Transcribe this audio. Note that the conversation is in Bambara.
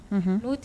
Un tɛ